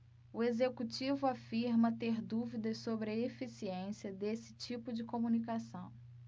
o executivo afirma ter dúvidas sobre a eficiência desse tipo de comunicação